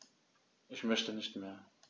Ich möchte nicht mehr.